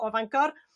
o Fangor